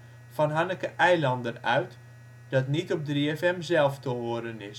van Hanneke Eilander uit, dat niet op 3FM zelf te horen